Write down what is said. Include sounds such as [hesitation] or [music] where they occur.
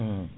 [hesitation] [hesitation]